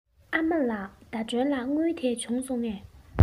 ཨ མ ལགས ཟླ སྒྲོན ལ དངུལ དེ བྱུང སོང ངས